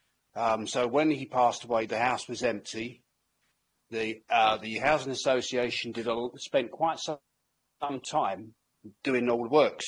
Um so when he passed away, the house was empty. The uh- the housing association did a l- spent quite so- some time doing all the works.